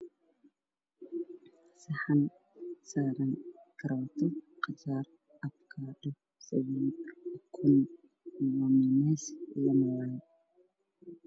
Saxan saaran karooto rajoor basal waxaana dul saaran mii is caddaan ah oo yar